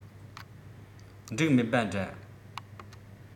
འགྲིག མེད པ འདྲ